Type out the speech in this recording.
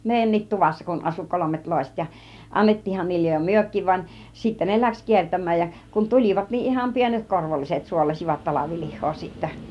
meidänkin tuvassa kun asui kolmet loiset ja annettiinhan niille jo mekin vaan sitten ne lähti kiertämään ja kun tulivat niin ihan pienet korvolliset suolasivat talvilihaa sitten